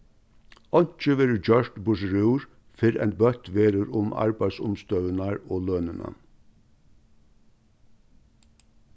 einki verður gjørt burturúr fyrr enn bøtt verður um arbeiðsumstøðurnar og lønina